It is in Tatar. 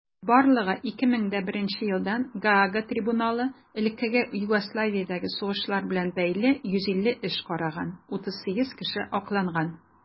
Барлыгы 2001 елдан Гаага трибуналы элеккеге Югославиядәге сугышлар белән бәйле 150 эш караган; 38 кеше акланган.